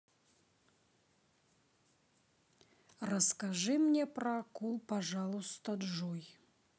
расскажи мне про акул пожалуйста джой